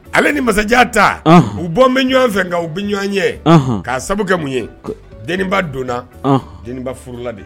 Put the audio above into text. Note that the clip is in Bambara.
Ale ni masajan ta u bɔ bɛ ɲɔgɔn fɛ u bɛ ɲɔgɔn ye k'a sababu mun ye deninba donnana denibainba furula de